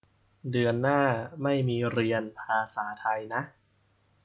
เดือนหน้าไม่มีเรียนภาษาไทยนะ